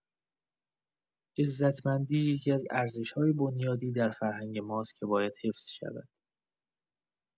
عزتمندی یکی‌از ارزش‌های بنیادی در فرهنگ ماست که باید حفظ شود.